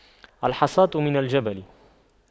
الحصاة من الجبل